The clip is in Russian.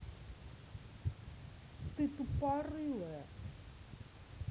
ты тупорылая